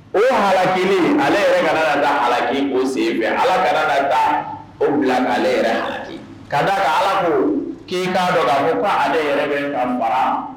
O haki ale da alaki o sen ala ka da o bila ale yɛrɛki ka ala ko k' ka ale yɛrɛ bɛ ka bara